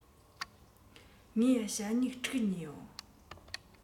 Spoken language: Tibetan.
ངས ཞྭ སྨྱུག དྲུག ཉོས ཡོད